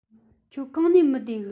ཁྱོད གང ནས མི བདེ གི